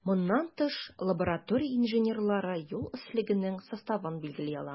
Моннан тыш, лаборатория инженерлары юл өслегенең составын билгели ала.